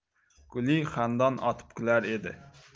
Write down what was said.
guli xandon otib kular edi